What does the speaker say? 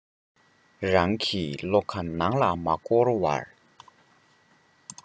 རང གི བློ ཁ ནང ལ མ བསྐོར བར